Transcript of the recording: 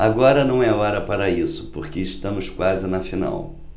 agora não é hora para isso porque estamos quase na final